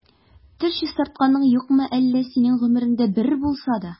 Теш чистартканың юкмы әллә синең гомереңдә бер булса да?